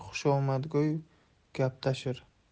xushomadgo'y gap tashir